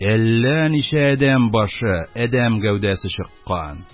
Әллә ничә адәм башы, адәм гәүдәсе чыккан...